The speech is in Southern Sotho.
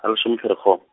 ha leshome Pherekgong.